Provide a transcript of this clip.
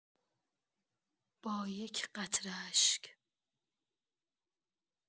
با یک قطره اشک